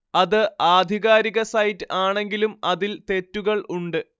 അത് ആധികാരിക സൈറ്റ് ആണെങ്കിലും അതിൽ തെറ്റുകൾ ഉണ്ട്